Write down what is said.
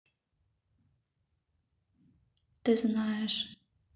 ты знаешь